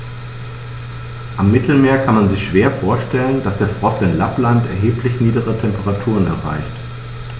Am Mittelmeer kann man sich schwer vorstellen, dass der Frost in Lappland erheblich niedrigere Temperaturen erreicht.